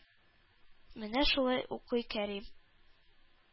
Менә шулай укый Кәрим,